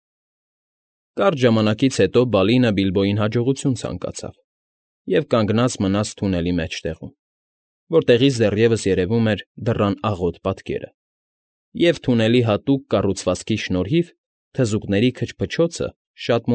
Կարճ ժամանակից հետո Բալինը Բիլբոյին հաջողություն ցանկացավ և կանգնած մնաց թունելի մեջտեղում, որտեղից դեռևս երևում էր դռան աղոտ պատկերը, և թունելի հատուկ կառուցվածքի շնորհիվ թզուկների քչփչոցը շատ։